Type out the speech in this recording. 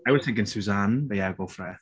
I was thinking Suzanne but yeah go for it.